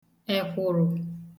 èkwụ̀rụ̀